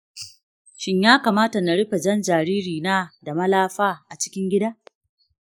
shin ya kamata na rufe jan jaririna da malafa a cikin gida?